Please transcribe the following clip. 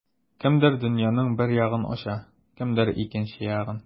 Кемдер дөньяның бер ягын ача, кемдер икенче ягын.